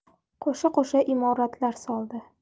qo'sha qo'sha imoratlar soldi